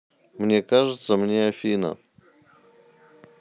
мне кажется мне афина